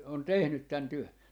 on tehnyt tämän työn